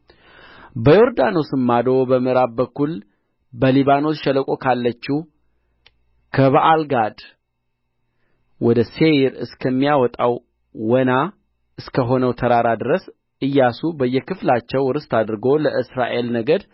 በዮርዳኖስም ማዶ በምዕራብ በኩል በሊባኖስ ሸለቆ ካለችው ከበኣልጋድ ወደ ሴይር እስከሚያወጣው ወና እስከ ሆነው ተራራ ድረስ ኢያሱ በየክፍላቸው ርስት አድርጎ ለእስራኤል ነገድ